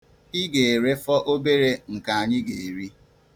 Ị ga-erefọ obere nke anyị ga-eri.